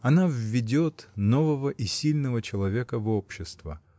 Она введет нового и сильного человека в общество.